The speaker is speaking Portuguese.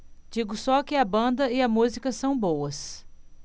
digo só que a banda e a música são boas